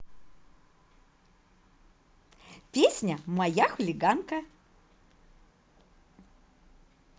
песня моя хулиганка